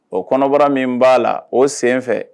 O kɔnɔbara min ba la ,o sen fɛ.